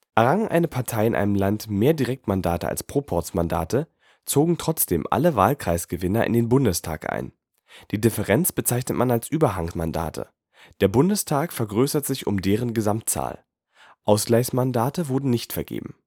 Errang eine Partei in einem Land mehr Direktmandate als Proporzmandate, zogen trotzdem alle Wahlkreisgewinner in den Bundestag ein. Die Differenz bezeichnet man als Überhangmandate; der Bundestag vergrößerte sich um deren Gesamtzahl. Ausgleichsmandate wurden nicht vergeben